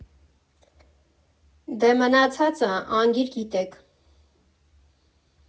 Դե, մնացածը՝ անգիր գիտեք։